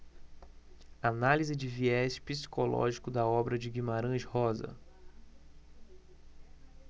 análise de viés psicológico da obra de guimarães rosa